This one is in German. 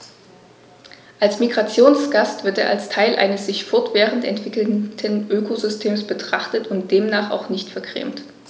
Als Migrationsgast wird er als Teil eines sich fortwährend entwickelnden Ökosystems betrachtet und demnach auch nicht vergrämt.